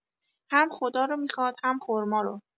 هم خدا رو میخواد هم خرمارو